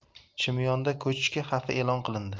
chimyonda ko'chki xavfi e'lon qilindi